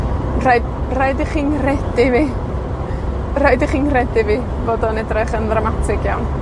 Rhaid, rhaid i chi'n nghredu fi. Rhaid i chi'n nghredu fi, bod o'n edrych yn ddramatig iawn.